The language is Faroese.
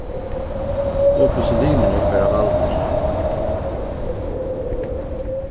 og hvussu limirnir verða valdir